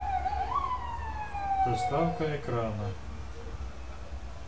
заставка экрана